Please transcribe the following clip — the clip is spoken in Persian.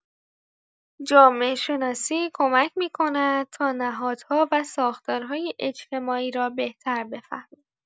جامعه‌شناسی کمک می‌کند تا نهادها و ساختارهای اجتماعی را بهتر بفهمیم.